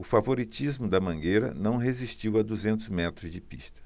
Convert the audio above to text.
o favoritismo da mangueira não resistiu a duzentos metros de pista